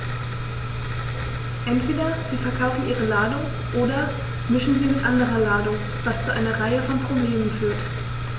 Entweder sie verkaufen ihre Ladung oder mischen sie mit anderer Ladung, was zu einer Reihe von Problemen führt.